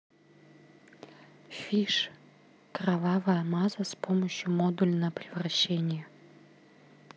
fixeye кровавая маза с помощью модуль на превращение